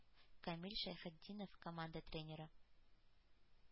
Камил шәйхетдинов, команда тренеры.